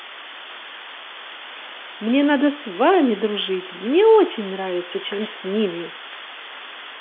мне надо с вами дружить мне очень нравится чем с ними